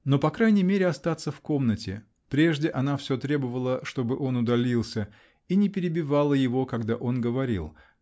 -- но по крайней мере остаться в комнате (прежде она все требовала, чтобы он удалился) и не перебивала его, когда он говорил.